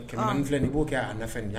Kɛlɛ an filɛ nin b'o kɛ' a fɛ